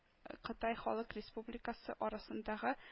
Кытай Халык Республикасы арасындагы